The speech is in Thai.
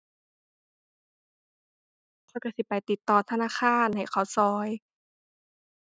ข้อยก็สิไปติดต่อธนาคาร ให้เขาก็